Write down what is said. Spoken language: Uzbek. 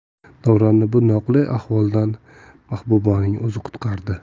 davronni bu noqulay ahvoldan mahbubaning o'zi qutqardi